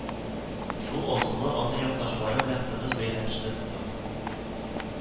Шул асылы аны якташлары белән тыгыз бәйләнештә тота